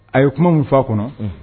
A ye kuma min faa kɔnɔ